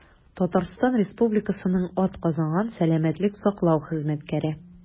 «татарстан республикасының атказанган сәламәтлек саклау хезмәткәре»